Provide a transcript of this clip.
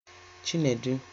Chinedu